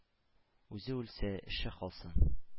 Үзе үлсә, эше калсын